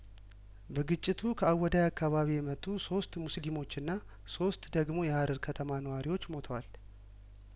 በግጭቱ ከአወዳ ይአካባቢ የመጡ ሶስት ሙስሊሞችና ሶስት ደግሞ የሀረር ከተማ ነዋሪዎች ሞተዋል